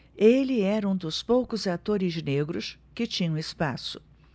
ele era um dos poucos atores negros que tinham espaço